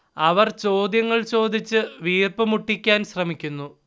അവർ ചോദ്യങ്ങൾ ചോദിച്ച് വീർപ്പ് മുട്ടിക്കാൻ ശ്രമിക്കുന്നു